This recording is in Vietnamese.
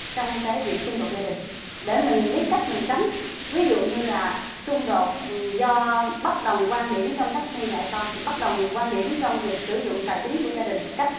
trong cái việc xung đột gia đình để mình biết cách mình tránh ví dụ như là xung đột do bất đồng quan điểm trong cách nuôi dạy con bất đồng quan điểm trong việc sử dụng tài chính của gia đình cách